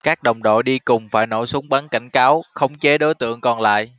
các đồng đội đi cùng phải nổ súng bắn cảnh cáo khống chế đối tượng còn lại